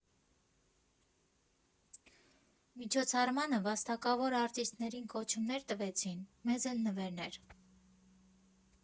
Միջոցառմանը վաստակավոր արտիստներին կոչումներ տվեցին, մեզ էլ՝ նվերներ։